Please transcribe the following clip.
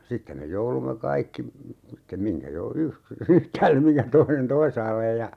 sitten me jouduimme kaikki sitten mihinkä - yksi yhtäälle mihinkä toinen toisaalle ja